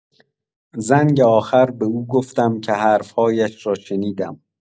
زنگ آخر به او گفتم که حرف‌هایش را شنیدم.